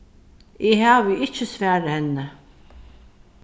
eg havi ikki svarað henni